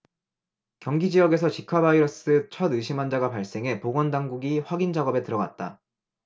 경기지역에서 지카바이러스 첫 의심환자가 발생해 보건당국이 확인 작업에 들어갔다